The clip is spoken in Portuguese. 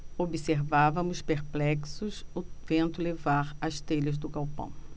observávamos perplexos o vento levar as telhas do galpão